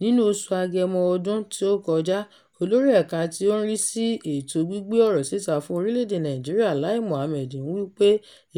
Nínúu oṣù Agẹmọ ọdún-un tí ó kọ́ja, Olórí Ẹ̀ka tí ó ń rí sí Ètò Gbígbé Ọ̀rọ̀ Síta fún Orílẹ̀-èdè Nàìjíríà Láí Mohammed ní wípé